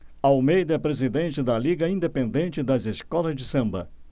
almeida é presidente da liga independente das escolas de samba